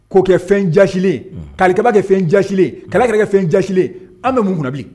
K'o kɛ fɛn jasilen ye ka Alikaba kɛ fɛn jasilen ye ka alakira kɛ fɛn jasilen ye an bɛ mun kun na bilen.